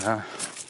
Na.